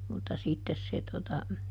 mutta sitten se tuota